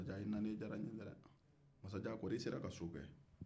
masajan kɔri e sera ka so kɛ